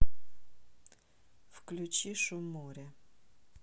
включи шум моря